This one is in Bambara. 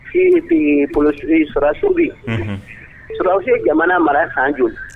Si susobi suursi jamana mara sanj